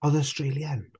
O the Australian?